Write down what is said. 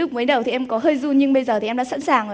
lúc mới đầu thì em có hơi run nhưng bây giờ thì em đã sẵn sàng